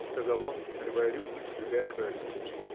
— сказал он, наливая рюмку и подвигая к Райскому.